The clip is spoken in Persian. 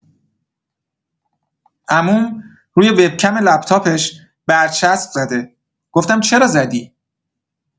عموم روی وب‌کم لپ‌تاپش برچسب زده گفتم چرا زدی؟